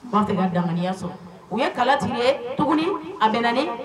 ' tɛ ka daya sɔrɔ u ye kalatigi ye tuguni a bɛnna